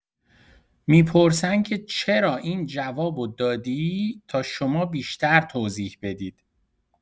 می‌پرسن که چرا این جواب و دادی تا شما بیشتر توضیح بدید.